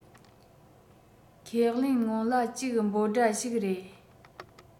ཁས ལེན སྔོན ལ གཅིག འབོད སྒྲ ཞིག རེད